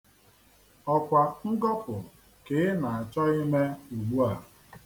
Ọ kwa ngọpụ ka ị na-achọ ime ugbua.